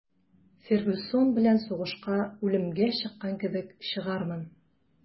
«фергюсон белән сугышка үлемгә чыккан кебек чыгармын»